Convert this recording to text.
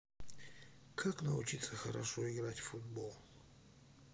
как научиться хорошо играть в футбол